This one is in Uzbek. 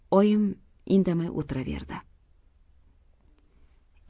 oyim indamay o'tiraverdi